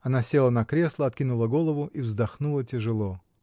Она села на кресло, откинула голову и вздохнула тяжело.